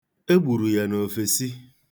E gburu ya n'ofesi.